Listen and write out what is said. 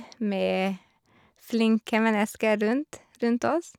Med flinke mennesker rundt rundt oss.